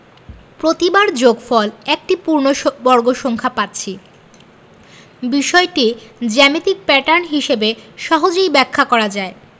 প্রতিবার যোগফল একটি পূর্ণবর্গ সংখ্যা পাচ্ছি বিষয়টি জ্যামিতিক প্যাটার্ন হিসেবে সহজেই ব্যাখ্যা করা যায়